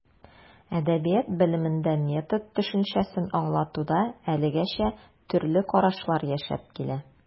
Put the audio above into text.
Әдәбият белемендә метод төшенчәсен аңлатуда әлегәчә төрле карашлар яшәп килә.